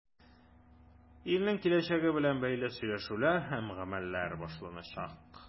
Илнең киләчәге белән бәйле сөйләшүләр һәм гамәлләр башланачак.